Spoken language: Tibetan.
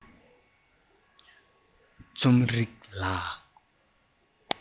རྩོམ རིག ལ